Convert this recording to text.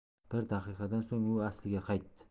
bir daqiqadan so'ng u asliga qaytdi